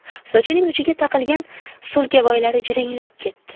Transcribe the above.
sochining uchiga taqilgan so'lkavoylari jiringlab ketdi